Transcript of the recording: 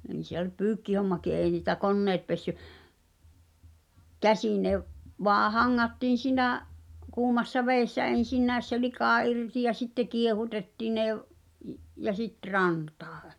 niin se oli pyykkihommakin ei niitä koneet pessyt käsin ne - vain hangattiin sinä kuumassa vedessä ensinnäkin se lika irti ja sitten kiehutettiin ne -- ja sitten rantaan